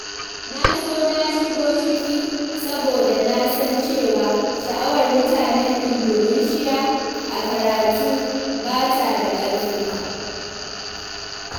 Na so na shigo ciki saboda na san cewa, sha'awar mutanen Indonesia a karatu ba ta da ƙarfi.